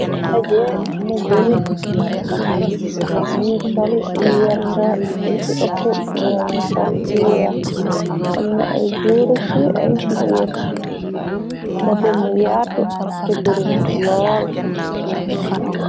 Ndaje mu bari nu sol lu werta lu ci ëpp none ñi sol lu weex amna ay góura ki ay jigeen taje mu yaatu te bari nit lool sax.